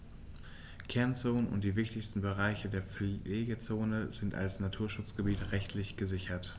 Kernzonen und die wichtigsten Bereiche der Pflegezone sind als Naturschutzgebiete rechtlich gesichert.